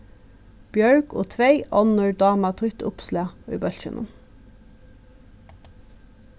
bjørg og tvey onnur dáma títt uppslag í bólkinum